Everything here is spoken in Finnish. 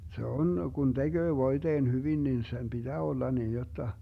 se on kun tekee voiteen hyvin niin sen pitää olla niin jotta